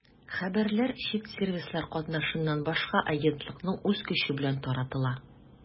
Хәбәрләр чит сервислар катнашыннан башка агентлыкның үз көче белән таратыла.